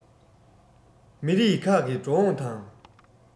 མི རིགས ཁག གི འགྲོ འོང དང